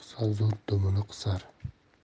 zo'r dumini qisar